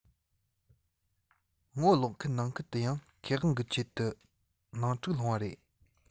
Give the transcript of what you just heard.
ངོ ལོག མཁན ནང ཁུལ དུ ཡང ཁེ དབང གི ཆེད དུ ནང འཁྲུག སློང བ རེད